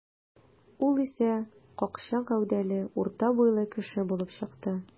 Ул исә какча гәүдәле, урта буйлы кеше булып чыкты.